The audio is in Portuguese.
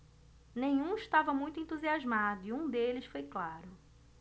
nenhum estava muito entusiasmado e um deles foi claro